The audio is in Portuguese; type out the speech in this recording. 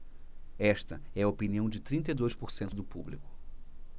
esta é a opinião de trinta e dois por cento do público